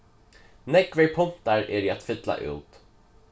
nógvir puntar eru at fylla út